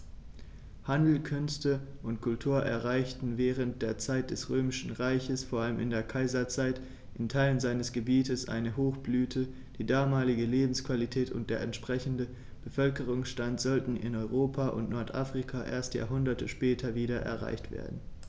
Handel, Künste und Kultur erreichten während der Zeit des Römischen Reiches, vor allem in der Kaiserzeit, in Teilen seines Gebietes eine Hochblüte, die damalige Lebensqualität und der entsprechende Bevölkerungsstand sollten in Europa und Nordafrika erst Jahrhunderte später wieder erreicht werden.